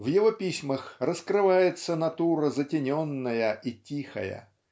В его письмах раскрывается натура затененная и тихая